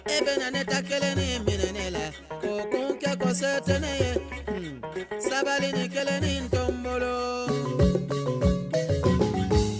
E bɛ ne da kelen minɛ ne la ko kunkɛ ko tɛ ye sabari ni kelen nin ngo